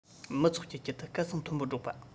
མི ཚོགས ཀྱི དཀྱིལ དུ སྐད གསང མཐོན པོ སྒྲོག པ